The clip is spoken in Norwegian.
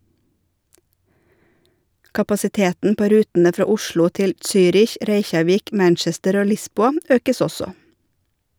Kapasiteten på rutene fra Oslo til Zürich, Reykjavik, Manchester og Lisboa økes også.